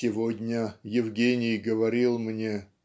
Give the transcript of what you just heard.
"Сегодня Евгений говорил мне